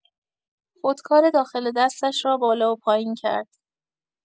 خودکار داخل دستش را بالا و پایین کرد.